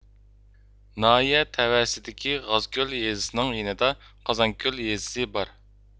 ناھىيە تەۋەسىدىكى غازكۆل يېزىسىنىڭ يېنىدا قازانكۆل يېزىسى بار